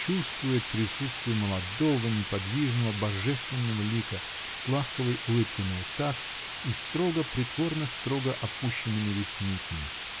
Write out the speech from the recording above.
чувствует присутствие молодого, неподвижного, божественного лика с ласковой улыбкой на устах и строго, притворно-строго опущенными ресницами.